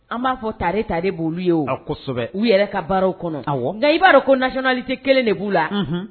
An b'a fɔ tare tare b'olu ye. A kosɛbɛ! U yɛrɛ ka baaraw kɔnɔ. Awɔ. Nka i b'a dɔn ko nationalité kelen de b'u la.